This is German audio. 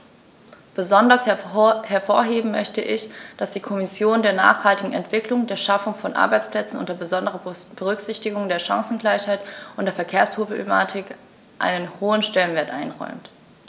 Besonders hervorheben möchte ich, dass die Kommission der nachhaltigen Entwicklung, der Schaffung von Arbeitsplätzen unter besonderer Berücksichtigung der Chancengleichheit und der Verkehrsproblematik einen hohen Stellenwert einräumt.